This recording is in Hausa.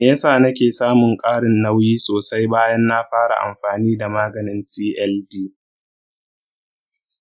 me ya sa nake samun ƙarin nauyi sosai bayan na fara amfani da maganin tld?